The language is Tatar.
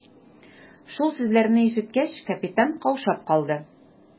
Шул сүзләрне ишеткәч, капитан каушап калды.